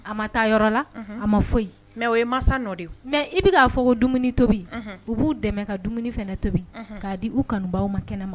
A ma taa yɔrɔ la; Unhun ; a ma foyi; mais o ye mansa de ye. mais i bɛ k'a fɔ ko dumuni tobi; Unhun ; u b'u dɛmɛ ka dumuni fana tobi; Unhun ;k'a di u kanubaw ma kɛnɛ ma.